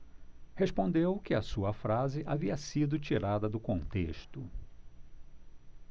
respondeu que a sua frase havia sido tirada do contexto